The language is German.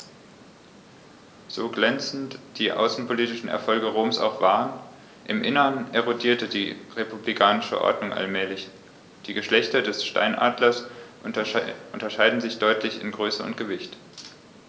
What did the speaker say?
So glänzend die außenpolitischen Erfolge Roms auch waren: Im Inneren erodierte die republikanische Ordnung allmählich. Die Geschlechter des Steinadlers unterscheiden sich deutlich in Größe und Gewicht.